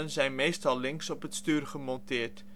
zijn meestal links op het stuur gemonteerd